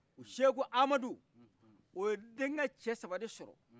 o seku amadu o ye denkɛ cɛ saba de sɔrɔ